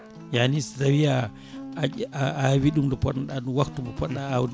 yaani so tawi a awi ɗum nde ponnoɗa ɗum wakhtu mo poɗɗa awde